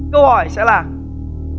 câu hỏi sẽ là